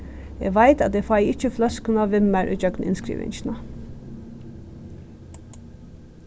eg veit at eg fái ikki fløskuna við mær ígjøgnum innskrivingina